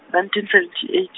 nineteen seventy eight.